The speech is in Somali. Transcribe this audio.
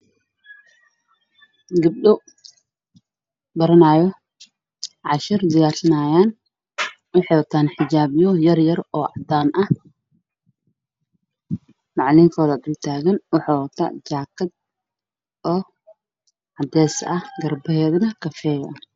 Gabdho baranaayo cashir diyaarsanayo